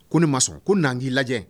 Ko ne ma sɔn ko n k'i lajɛ